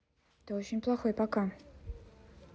ты очень плохой пока